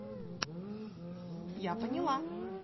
я поняла